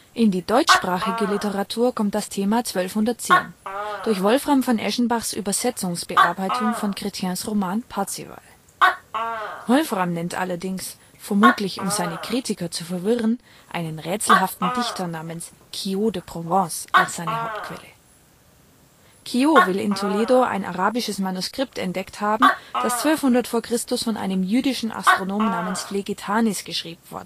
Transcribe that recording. In die deutschsprachige Literatur kommt das Thema 1210 durch Wolframs von Eschenbach (1170 -~ 1220) Übersetzungsbearbeitung von Chrétiens Roman Parzival. Wolfram nennt allerdings, vermutlich, um seine Kritiker zu verwirren, einen rätselhaften Dichter namens " Kyot de Provence " als seine Hauptquelle. Kyot will in Toledo ein arabisches Manuskript entdeckt haben, dass 1200 v. Chr. von einem jüdischen Astronom namens Flegetanis geschrieben